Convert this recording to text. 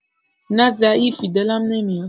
نه ضعیفی دلم نمیاد